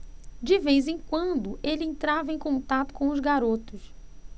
de vez em quando ele entrava em contato com os garotos